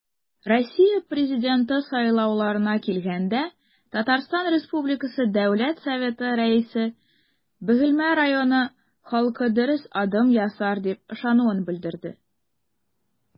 Россия Президенты сайлауларына килгәндә, ТР Дәүләт Советы Рәисе Бөгелмә районы халкы дөрес адым ясар дип ышануын белдерде.